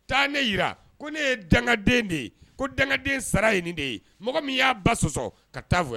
Taa ne yi ko ne yeden de ye ko danden sara ye nin de ye mɔgɔ min y'a ba sɔsɔ ka taa fɔ